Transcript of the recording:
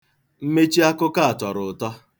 Mmechi akụkọ a tọrọ ụtọ.